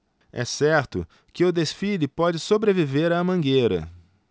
é certo que o desfile pode sobreviver à mangueira